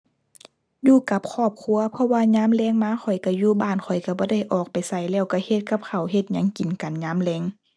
อยู่กับครอบครัว เพราะว่ายามแลงมาข้อยก็อยู่บ้าน ข้อยก็บ่ได้ออกไปไส แล้วก็เฮ็ดกับข้าวเฮ็ดหยังกินกันยามแลง